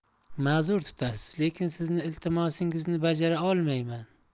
ma'zur tutasiz lekin sizni iltimosingizni bajara olmayman